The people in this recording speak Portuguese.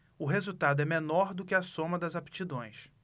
o resultado é menor do que a soma das aptidões